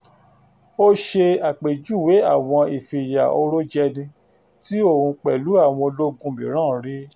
Ó ṣe àpèjúwe àwọn ìfìyàorójẹni tí òun pẹ̀lú àwọn ológun mìíràn rí: